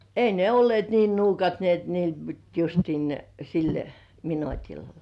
ei ne olleet niin nuukat niin että niille piti justiin ne sillä minuutilla